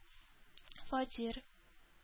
Фатир